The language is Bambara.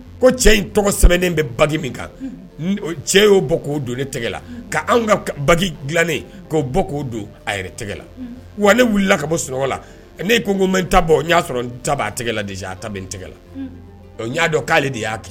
Ko cɛ in tɔgɔ sɛbɛnnen bɛ ba min kan cɛ y'o bɔ k'o don ne tɛgɛ la' anw ka ba dilanen k'o bɔ k'o don a yɛrɛ tɛgɛ la wa ne wulila ka bɔ sunɔgɔ la ne ko n ko ta bɔ n y'a sɔrɔ da a tɛgɛla dez a ta tɛgɛ la y'a dɔn k'ale de y'a kɛ